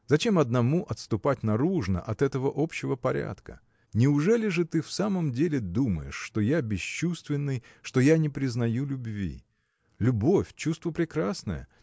Зачем одному отступать наружно от этого общего порядка? Неужели же ты в самом деле думаешь что я бесчувственный что я не признаю любви? Любовь – чувство прекрасное